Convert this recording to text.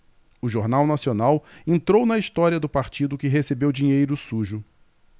o jornal nacional entrou na história do partido que recebeu dinheiro sujo